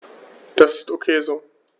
Das ist ok so.